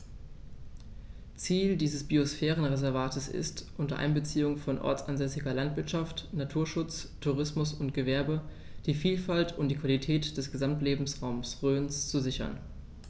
Ziel dieses Biosphärenreservates ist, unter Einbeziehung von ortsansässiger Landwirtschaft, Naturschutz, Tourismus und Gewerbe die Vielfalt und die Qualität des Gesamtlebensraumes Rhön zu sichern.